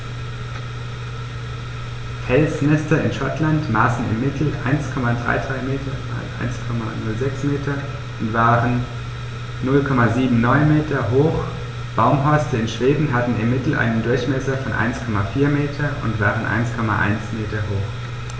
Felsnester in Schottland maßen im Mittel 1,33 m x 1,06 m und waren 0,79 m hoch, Baumhorste in Schweden hatten im Mittel einen Durchmesser von 1,4 m und waren 1,1 m hoch.